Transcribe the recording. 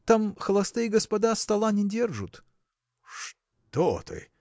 Там холостые господа стола не держут. – Что ты!